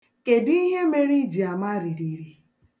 Kedụ ihe mere i ji ama ririri?